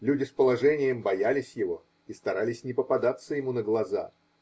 Люди с положением боялись его и старались не попадаться ему на глаза